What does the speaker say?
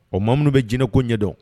O ma minnu bɛ jinɛ ko ɲɛdɔn